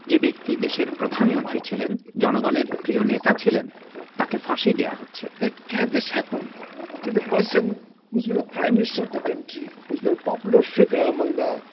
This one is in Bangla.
যে ব্যক্তি দেশের প্রধানমন্ত্রী ছিলেন জনগণের প্রিয় নেতা ছিলেন তাকে ফাঁসি দেয়া হচ্ছে can this happen he was the prime minister of the country who was the popular figure among the